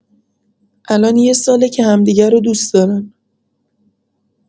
الان یه ساله که همدیگه رو دوست دارن